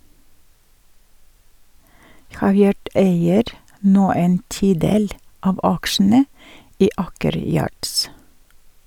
Havyard eier nå en tidel av aksjene i Aker Yards.